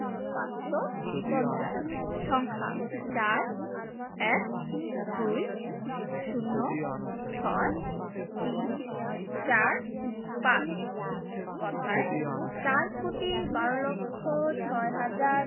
পাঁচশো পঞ্চাশ সংখ্যাঃ ৪ ১২ ০৬ ৩৪৫ কথায়ঃ চার কোটি বার লক্ষ ছয় হাজার